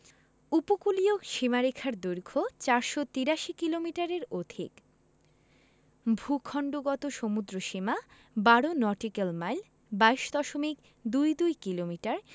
উপকূলীয় সীমারেখার দৈর্ঘ্য ৪৮৩ কিলোমিটারের অধিক ভূখন্ডগত সমুদ্রসীমা ১২ নটিক্যাল মাইল ২২ দশমিক দুই দুই কিলোমিটার